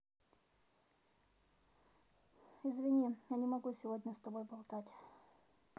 извини я не смогу сегодня с тобой болтать